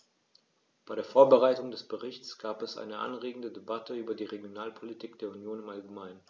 Bei der Vorbereitung des Berichts gab es eine anregende Debatte über die Regionalpolitik der Union im allgemeinen.